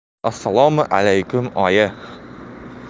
assalomu alaykum oyi